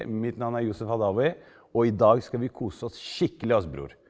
mitt navn er Yousef Hadaoui og i dag skal vi kose oss skikkelig altså bror.